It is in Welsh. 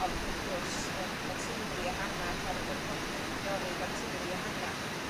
ond wrth gwrs y y teulu ehangach a'r y brodyr chwiorydd a'r teulu ehangach